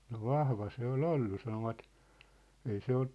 no vahva se oli ollut sanovat ei se -